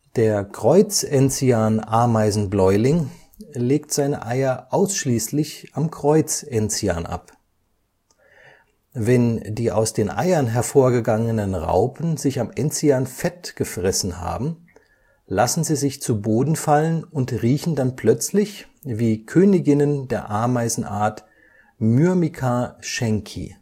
Der Kreuzenzian-Ameisenbläuling (Maculinea rebeli) legt seine Eier ausschließlich am Kreuz-Enzian ab. Wenn die aus den Eiern hervorgegangenen Raupen sich am Enzian fettgefressen haben, lassen sie sich zu Boden fallen und riechen dann plötzlich wie Königinnen der Ameisen-Art Myrmica schencki